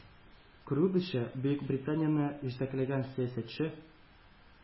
Күрүебезчә, Бөекбританияне җитәкләгән сәясәтче